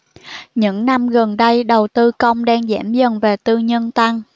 những năm gần đây đầu tư công đang giảm dần và tư nhân tăng